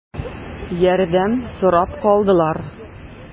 Ярдәм сорап калдылар.